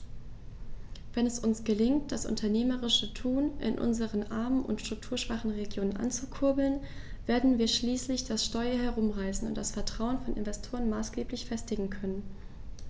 Wenn es uns gelingt, das unternehmerische Tun in unseren armen und strukturschwachen Regionen anzukurbeln, werden wir schließlich das Steuer herumreißen und das Vertrauen von Investoren maßgeblich festigen können.